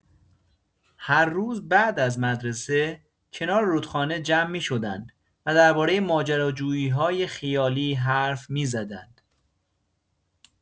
هر روز بعد از مدرسه، کنار رودخانه جمع می‌شدند و درباره ماجراجویی‌های خیالی حرف می‌زدند.